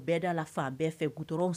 U bɛɛ da la fan bɛɛ fɛ gtraw